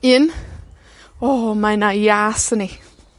Un: o, mae 'na ias yn 'i.